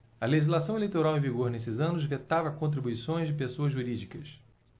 a legislação eleitoral em vigor nesses anos vetava contribuições de pessoas jurídicas